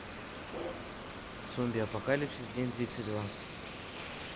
zombie apocalypse день тридцать два